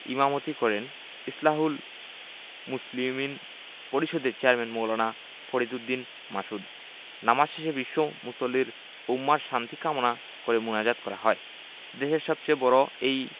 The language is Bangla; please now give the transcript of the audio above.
ইমামতি করেন ইসলাহুল মুসলিমিন পরিষদের চেয়ারম্যান মাওলানা ফরিদ উদ্দীন মাসউদ নামাজ শেষে বিশ্ব মুসলিম উম্মাহর শান্তি কামনা করে মোনাজাত করা হয় দেশের সবচেয়ে বড় এই